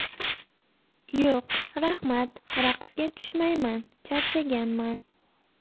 yo'q raxmat raqsga tushmayman charchaganman